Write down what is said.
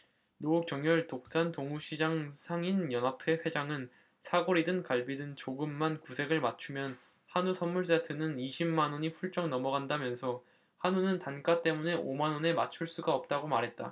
노경열 독산동우시장상인연합회 회장은 사골이든 갈비든 조금만 구색을 맞추면 한우 선물세트는 이십 만 원이 훌쩍 넘어간다면서 한우는 단가 때문에 오 만 원에 맞출 수가 없다고 말했다